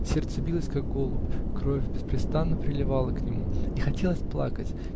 Сердце билось, как голубь, кровь беспрестанно приливала к нему, и хотелось плакать.